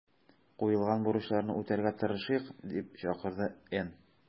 Куелган бурычларны үтәргә тырышыйк”, - дип чакырды Н.